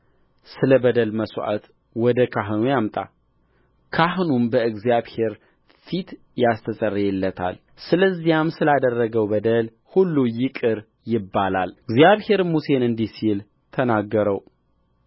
ስለ በደል መሥዋዕት ወደ ካህኑ ያምጣካህኑም በእግዚአብሔር ፊት ያስተሰርይለታል ስለዚያም ስላደረገው በደል ሁሉ ይቅር ይባላልእግዚአብሔርም ሙሴን እንዲህ ሲል ተናገረው